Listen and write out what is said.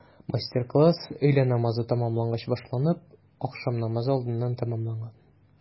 Мастер-класс өйлә намазы тәмамлангач башланып, ахшам намазы алдыннан тәмамланган.